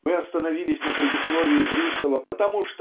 Мы остановились на предисловии Брюсова потому